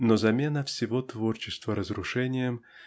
но замена всего творчества разрушением